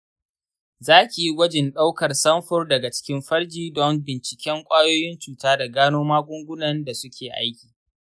za ki yi gwajin ɗaukar samfur daga cikin farji don binciken ƙwayoyin cuta da gano magungunan da suke aiki .